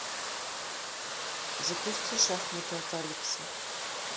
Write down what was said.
запусти шахматы от алекса